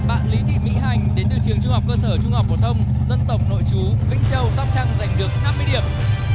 bạn lý thị mỹ hạnh đến từ trường trung học cơ sở trung học phổ thông dân tộc nội trú vĩnh châu sóc trăng giành được năm mươi điểm